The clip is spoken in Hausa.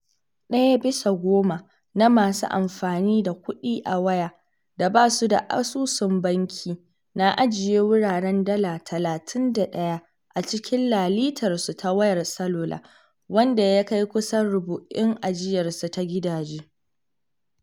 Ɗaya bisa goma na masu amfani da kuɗi a waya da ba su da asusun banki na ajiye wuraren dala 31 a cikin lalitarsu ta wayar salula, wanda ya kai kusan rubu'in ajiyarsu ta gidaje.